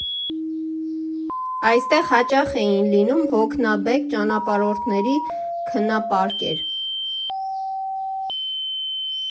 Այստեղ հաճախ էին լինում հոգնաբեկ ճանապարհորդների քնապարկեր։